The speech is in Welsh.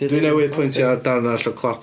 Dwi newydd pwyntio ar darn arall o cladd-...